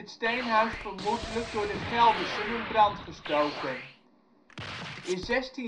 steenhuis vermoedelijk door de Geldersen in brand gestoken. In 1627 is de